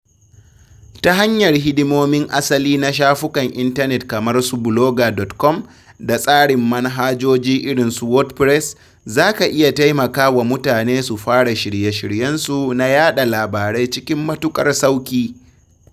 Ta hanyar hidimomin asali na shafukan intanet kamar su Blogger.com da tsarin manhajoji irin su 'WordPress', za ka iya taimaka wa mutane su fara shirye-shiryensu na yaɗa labarai cikin matuƙar sauƙi.